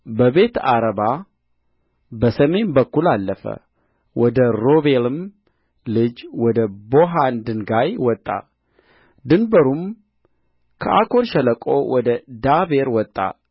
በቤትዓረባ በሰሜን በኩል አለፈ ወደ ሮቤልም ልጅ ወደ ቦሀን ድንጋይ ወጣ ድንበሩም ከአኮር ሸለቆ ወደ ዳቤር ወጣ